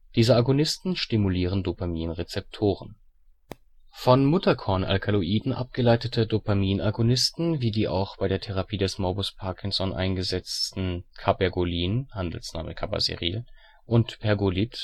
Diese Agonisten stimulieren Dopamin-Rezeptoren. Von Mutterkornalkaloiden abgeleitete Dopaminagonisten wie die auch bei der Therapie des Morbus Parkinson eingesetzten Cabergolin (Cabaseril ®) und Pergolid